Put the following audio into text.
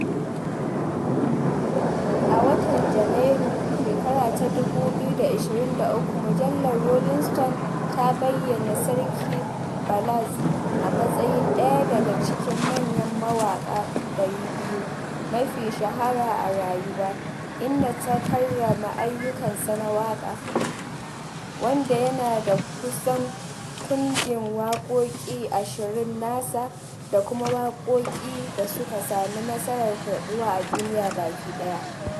A watan Janairun 2023, mujallar Rolling Stone ta bayyana sarkin Mbalax a matsayin ɗaya daga cikin manyan mawaƙa 200 mafi shahara a rayuwa, inda ta karrama ayyukan sa na waƙa, wanda yana da kusan kundin waƙoƙi ashirin nasa, da kuma waƙoƙin da suka sami nasarar karɓuwa a duniya baki ɗaya.